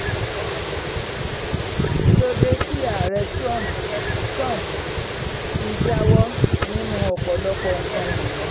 Kí ló dé tí Ààrẹ Trump fi jáwọ́ nínú ọ̀pọ̀lọpọ̀ nǹkan wọ̀nyí?